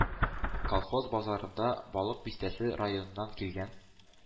Колхоз базарында Балык Бистәсе районыннан килгән